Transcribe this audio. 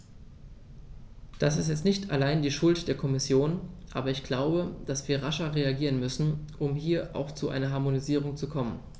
Das ist jetzt nicht allein die Schuld der Kommission, aber ich glaube, dass wir rascher reagieren müssen, um hier auch zu einer Harmonisierung zu kommen.